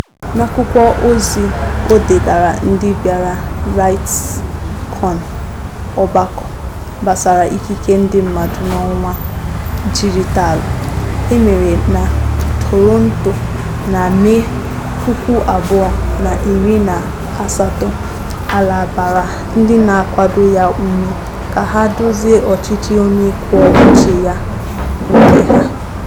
N'akwụkwọ ozi o degaara ndị bịara RightsCon, ọgbakọ gbasara ikike ndị mmadụ n'ọwa dijitalụ e mere na Toronto na Mee 2018, Alaa gbara ndị na-akwado ya ume ka ha "dozie ọchịchị onye kwuo uche ya [nke ha]".